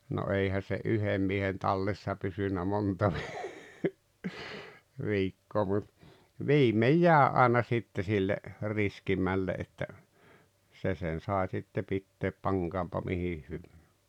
no eihän se yhden miehen tallessa pysynyt monta - viikkoa mutta viimein jäi aina sitten sille riskimmälle että se sen sai sitten pitää pankoonpa mihin -